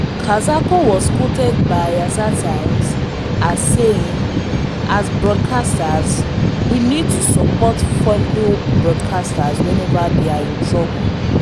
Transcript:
Kazako was quoted by Nyasatimes as saying: “As broadcasters, we need to support fellow broadcasters whenever they are in trouble.